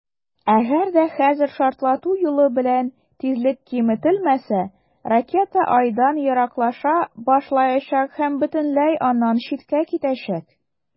Әгәр дә хәзер шартлату юлы белән тизлек киметелмәсә, ракета Айдан ераклаша башлаячак һәм бөтенләй аннан читкә китәчәк.